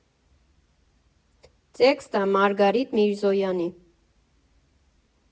Տեքստը՝ Մարգարիտ Միրզոյանի։